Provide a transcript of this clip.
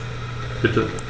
Bitte.